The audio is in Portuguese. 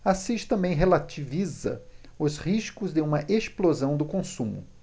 assis também relativiza os riscos de uma explosão do consumo